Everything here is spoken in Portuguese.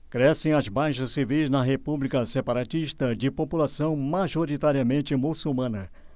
crescem as baixas civis na república separatista de população majoritariamente muçulmana